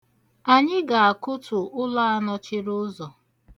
Anyị ga-akụtu ụlọ a nọchiri ụzọ.